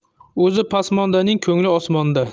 o'zi pasmondaning ko'ngli osmonda